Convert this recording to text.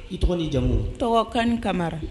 I tɔgɔ' jamugolo tɔgɔkan kamara